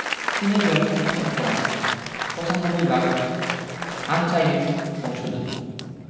চীনের জনসংখ্যা শতকরা ৯৫ ভাগ হান চাইনিজ বংশোদূত